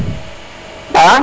a